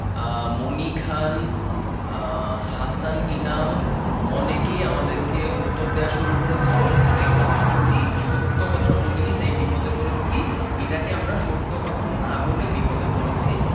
মনি খান হাসান ইনাম অনেকে আমাদেরকে উত্তর দেয়া শুরু করেছো একদম সত্যি সত্য কথা বলিনি তাই বিপদে পড়েছি এটা কে আমরা সত্য কথা না বলে বিপদে পড়েছি